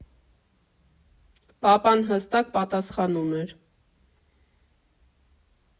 Պապան հստակ պատասխան ուներ.